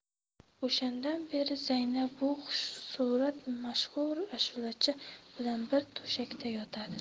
o'shandan beri zaynab bu xushsurat mashhur ashulachi bilan bir to'shakda yotadi